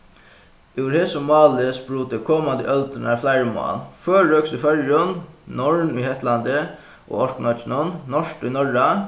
úr hesum máli komandi øldirnar fleiri mál føroyskt í føroyum norn í hetlandi og orknoyggjunum norskt í norra